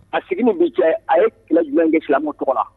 A sigi min bi kɛɛ a ye kɛlɛ jumɛn kɛ silamɛw tɔgɔ la